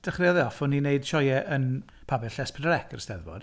Dechreuodd e off o'n i'n neud sioeau yn pabell S4C yr 'Steddfod.